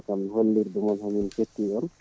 tan hollirde moon emin ketti on